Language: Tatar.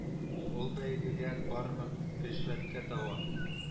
Ул бәйгегә бармы ришвәткә дәва